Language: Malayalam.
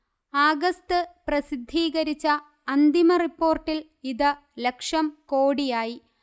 ആഗസ്ത് പ്രസിദ്ധീകരിച്ച അന്തിമ റിപ്പോർട്ടിൽ ഇത് ലക്ഷം കോടിയായി